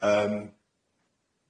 Yym.